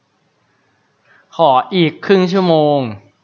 ขออีกครึ่งชั่วโมง